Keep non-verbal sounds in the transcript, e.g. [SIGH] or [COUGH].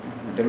[HESITATION] [HESITATION]